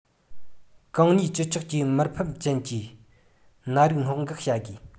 གང ནུས ཅི ལྕོགས ཀྱིས མུར འཕར ཅན གྱི འགོ ནད རིགས སྔོན འགོག བྱ དགོས